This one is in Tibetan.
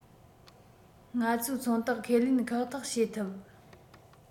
ང ཚོའི ཚོང རྟགས ཁས ལེན ཁག ཐེག བྱེད ཐུབ